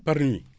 par nuit